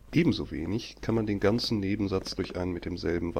Ebenso wenig kann man den ganzen Nebensatz durch einen mit demselben